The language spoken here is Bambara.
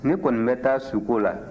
ne kɔni bɛ taa suko la